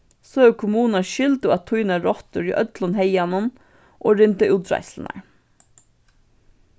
so hevur kommunan skyldu at týna rottur í øllum haganum og rinda útreiðslurnar